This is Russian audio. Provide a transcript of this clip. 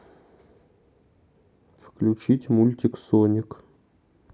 включить мультик соник